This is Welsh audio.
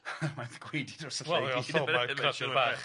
A mae'n gwaedu dros y lle i gyd bach.